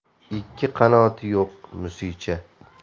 ikki qanoti yo'q musicha